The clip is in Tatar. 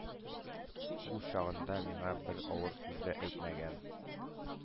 Ул чагында миңа бер авыр сүз дә әйтмәгән...